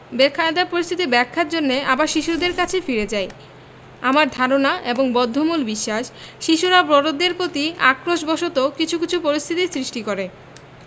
বেকায়দা পরিস্থিতির ব্যাখ্যার জন্যে আবার শিশুদের কাছেই ফিরে যাই আমার ধারণা এবং বদ্ধমূল বিশ্বাস শিশুরা বড়দের প্রতি আক্রোশ বসত কিছু কিছু পরিস্থিতির সৃষ্টি করে